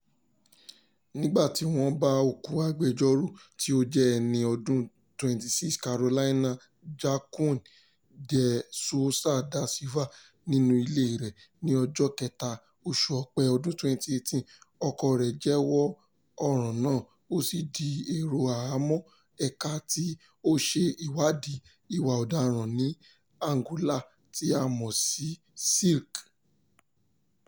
Nígbà tí wọ́n bá òkú agbẹjọ́rò tí ó jẹ́ ẹni ọdún 26, Carolina Joaquim de Sousa da Silva nínú ilée rẹ̀ ní ọjọ́ 3, oṣù Ọ̀pẹ ọdún 2018, ọkọ rẹ̀ jẹ́wọ́ ọ̀ràn náà, ó sì di èrò àhámọ̀ ẹ̀ka tí ó ń ṣe ìwádìí ìwà ọ̀daràn ti Angola tí a mọ̀ sí SIC.